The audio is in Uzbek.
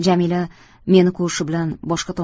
jamila meni ko'rishi bilan boshqa tomonga